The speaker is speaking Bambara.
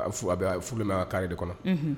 Furu ma ka kari de kɔnɔ